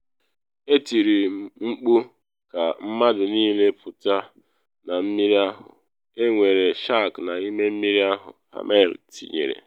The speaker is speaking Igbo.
“Etiri m mkpu ka mmadụ niile pụta na mmiri ahụ: ‘Enwere shark n’ime mmiri ahụ!”” Hammel tinyere.